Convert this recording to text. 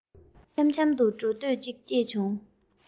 འཆམ འཆམ དུ འགྲོ འདོད ཅིག སྐྱེས བྱུང